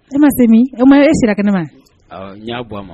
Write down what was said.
E ma se min e ma e sira kɛnɛ ne ma n y'a bɔ a ma